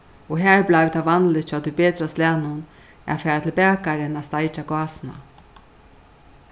og har bleiv tað vanligt hjá tí betra slagnum at fara til bakaran at steikja gásina